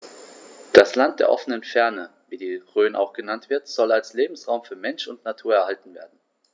Das „Land der offenen Fernen“, wie die Rhön auch genannt wird, soll als Lebensraum für Mensch und Natur erhalten werden.